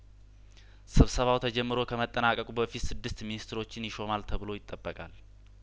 ስብሰባው ተጀምሮ ከመጠናቀቁ በፊት ስድስት ሚኒስትሮችን ይሾማል ተብሎ ይጠበቃል